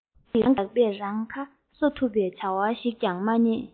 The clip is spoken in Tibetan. རང གི ལག པས རང ཁ གསོ ཐུབ བའི བྱ བ ཞིག ཀྱང མ རྙེད